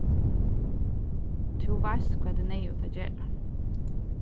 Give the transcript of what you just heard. tú veitst hvat er neyðugt at gera